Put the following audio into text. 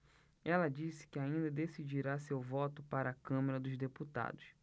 ela disse que ainda decidirá seu voto para a câmara dos deputados